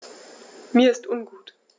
Mir ist ungut.